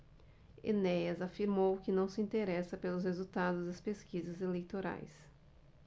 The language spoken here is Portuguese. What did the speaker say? enéas afirmou que não se interessa pelos resultados das pesquisas eleitorais